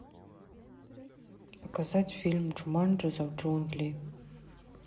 показать фильм джуманджи зов джунглей